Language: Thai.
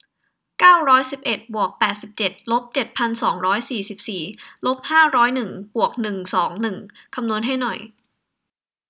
เก้าร้อยสิบเอ็ดบวกแปดสิบเจ็ดลบเจ็ดพันสองร้อยสี่สิบสี่ลบห้าร้อยหนึ่งบวกหนึ่งสองหนึ่งคำนวณให้หน่อย